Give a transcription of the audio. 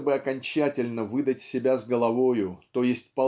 чтобы окончательно выдать себя головою т. е.